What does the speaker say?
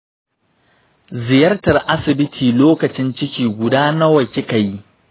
ziyartar asibiti lokacin ciki guda nawa nawa kika yi?